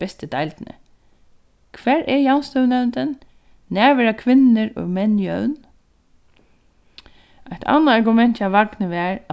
bestu deildini hvar er javnstøðunevndin nær verða kvinnur og menn jøvn eitt annað argument hjá vagni var